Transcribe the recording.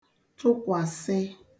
tụkwàsị